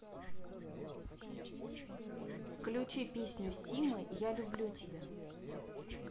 включи песню сима я люблю тебя